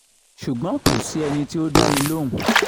Ṣùgbọ́n kò sí ẹni tí ó dá mi lóhùn.